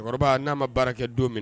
Cɛkɔrɔba n'a ma baara kɛ don min.